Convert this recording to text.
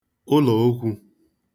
ụlọ̀okwū